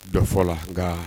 Dɔfɔ la nka